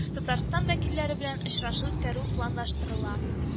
Татарстан вәкилләре белән очрашу үткәрү планлаштырыла